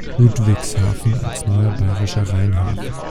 Ludwigshafen als neuer bayerischer Rheinhafen